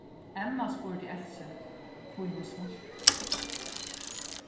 emma spurdi elsu hví hon smíltist